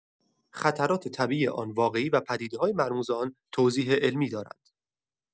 خطرات طبیعی آن واقعی و پدیده‌های مرموز آن توضیح علمی دارند.